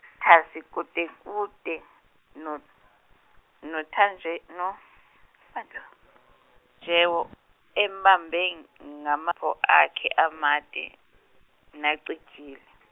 thasi kudekude no- nonTaje- no- -jewo embambe ng- ngamapho- akhe amade nacijile.